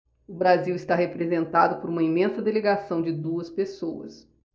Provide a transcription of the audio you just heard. o brasil está representado por uma imensa delegação de duas pessoas